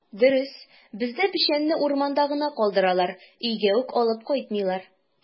Дөрес, бездә печәнне урманда гына калдыралар, өйгә үк алып кайтмыйлар.